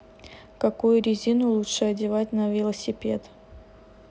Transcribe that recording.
какую резину лучше одевать на велосипед